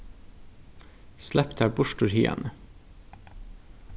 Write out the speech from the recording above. slepp tær burtur hiðani